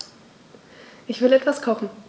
Ich will etwas kochen.